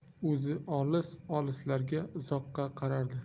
o'zi olis olislarga uzoqqa qarardi